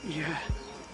Ie.